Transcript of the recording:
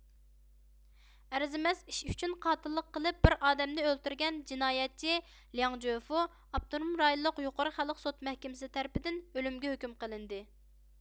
ئەرزىمەس ئىش ئۈچۈن قاتىللىق قىلىپ بىر ئادەمنى ئۆلتۈرگەن جىنايەتچى لياڭ جۆفۇ ئاپتونوم رايونلۇق يۇقىرى خەلق سوت مەھكىمىسى تەرىپىدىن ئۆلۈمگە ھۆكۈم قىلىندى